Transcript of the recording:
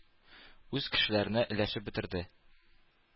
Үз кешеләренә өләшеп бетерде.